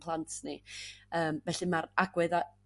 plant ni yym felly ma'r agwedda'